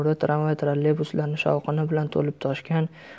tramvay trolleybuslarning shovqini bilan to'lib toshgan